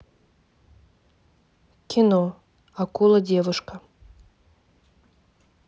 кино акула девушка